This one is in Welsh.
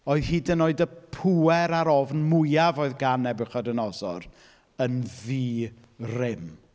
Oedd hyd yn oed y pŵer a'r ofn mwyaf odd gan Nebiwchodynosor, yn ddi-rym.